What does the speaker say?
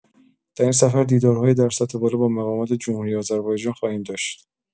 در این سفر دیدارهای در سطح بالا با مقامات جمهوری آذربایجان خواهیم داشت.